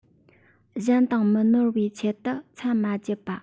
གཞན དང མི ནོར བའི ཆེད དུ མཚན མ རྒྱག པ